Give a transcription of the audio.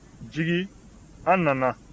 jigi an nana